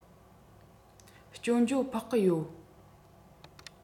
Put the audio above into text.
སྐྱོན བརྗོད ཕོག གི ཡོད